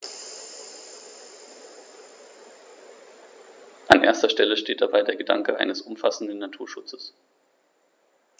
An erster Stelle steht dabei der Gedanke eines umfassenden Naturschutzes.